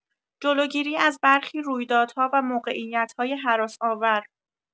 جلوگیری از برخی رویدادها و موقعیت‌های هراس‌آور